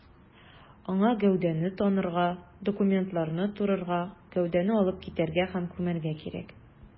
Аңа гәүдәне танырга, документларны турырга, гәүдәне алып китәргә һәм күмәргә кирәк.